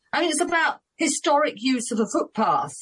And it's about historic use of a footpath.